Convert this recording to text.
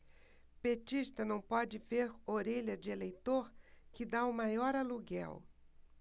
petista não pode ver orelha de eleitor que tá o maior aluguel